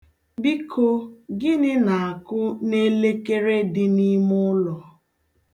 Biko, gịnị na akụ n'elekere dị n'imụlọ?